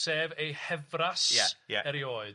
Sef ei hefras... Ia ia... Erioed.